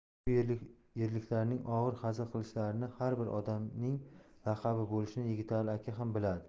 bu yerliklarning og'ir hazil qilishlarini har bir odamningn laqabi bo'lishini yigitali aka ham biladi